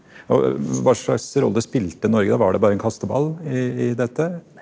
og hva slags rolle spilte Norge da var det bare en kasteball i i dette?